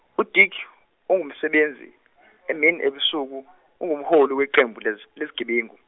uDick, ungumsebenzi, emini ebusuku, ungumholi weqembu lez- lezigebengu.